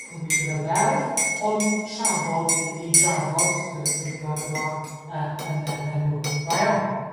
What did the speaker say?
yn gweithio fel berf, ond trafod, neu i drafod gyda threiglad yma yy yn berfenw. Da iawn.